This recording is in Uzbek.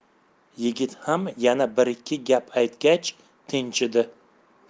yigit ham yana bir ikki gap aytgach tinchidi